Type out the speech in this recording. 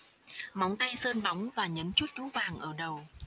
móng tay sơn bóng và nhấn chút nhũ vàng ở đầu